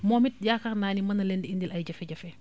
moom it yaakaar naa ni mën na leen di indil ay jafe-jafe